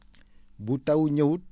bu taw ñëwut